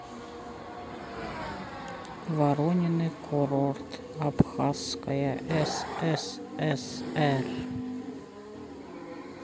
воронины курорт абхазская ссср